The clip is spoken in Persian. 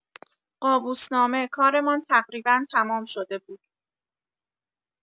قابوس‌نامه کارمان تقریبا تمام شده بود.